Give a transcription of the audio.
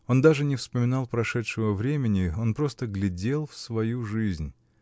Он даже не вспоминал прошедшего времени он просто глядел в свою жизнь